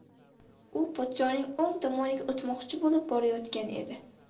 u podshohning o'ng tomoniga o'tmoqchi bo'lib borayotgan edi